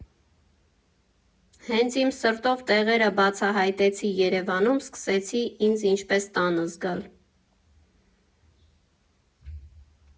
Հենց իմ սրտով տեղերը բացահայտեցի Երևանում, սկսեցի ինձ ինչպես տանը զգալ։